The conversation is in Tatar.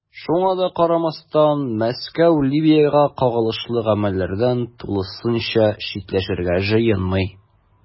Шуңа да карамастан, Мәскәү Ливиягә кагылышлы гамәлләрдән тулысынча читләшергә җыенмый.